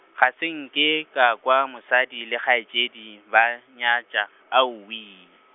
ga se nke ka kwa mosadi le kgaetšedi ba nyatša, aowi.